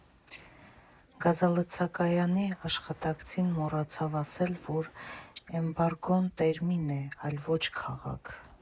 Գազալցակայանի աշխատակցին մոռացավ ասել, որ «էմբարգոն» տերմին է, այլ ոչ՝ քաղաք։